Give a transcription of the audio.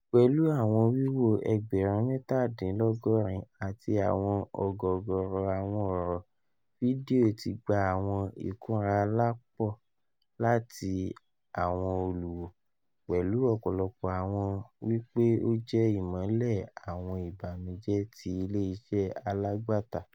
Pẹlu awọn wiwo 77,000 ati awọn ọgọgọrọ awọn ọrọ, fidio ti gba awọn ikunra alapọ lati awọn oluwo, pẹlu ọpọlọpọ awọn wi pe o jẹ imọlẹ awọn "ibanujẹ" ti ile-iṣẹ alagbata.